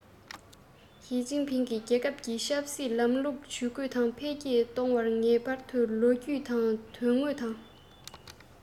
ཞིས ཅིན ཕིང གིས རྒྱལ ཁབ ཀྱི ཆབ སྲིད ལམ ལུགས ཇུས བཀོད དང འཕེལ རྒྱས གཏོང བར ངེས པར དུ ལོ རྒྱུས དང དོན དངོས དང